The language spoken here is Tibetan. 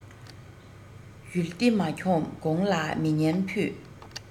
ཡུལ སྡེ མ འཁྱོམས གོང ལ མི ངན ཕུད